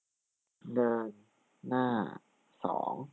เดินหน้าสอง